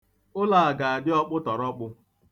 Ụlọ a ga-adị ọkpụtọrọkpụ.